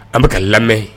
An bɛ ka lamɛn